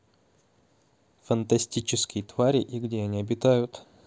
фантастические твари и где они обитают